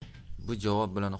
bu javob bilan